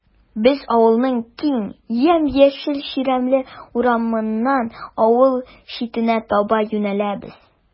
Без авылның киң, ямь-яшел чирәмле урамыннан авыл читенә таба юнәләбез.